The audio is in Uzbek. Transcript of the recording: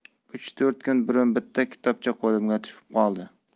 uch to'rt kun burun bitta kitobcha qo'limga tushib qoldi